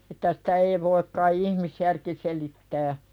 että sitä ei voi kai ihmisjärki selittää